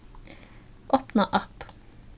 opna app